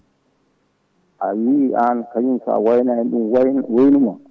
a wii an a wii sa woynani ɗum woyne woynuma